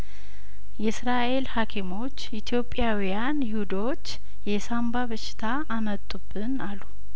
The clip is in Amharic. የእስራኤል ሀኪሞች ኢትዮጵያውያን ይሁ ዶች የሳንባ በሽታ አመጡብን አሉ